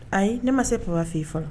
Ayi ne ma se baba f i fɔlɔ